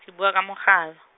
ke bua kwa mogala.